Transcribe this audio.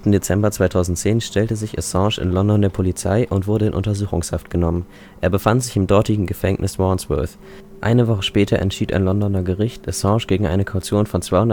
Dezember 2010 stellte sich Assange in London der Polizei und wurde in Untersuchungshaft genommen. Er befand sich im dortigen Gefängnis Wandsworth. Eine Woche später entschied ein Londoner Gericht, Assange gegen eine Kaution von 200.000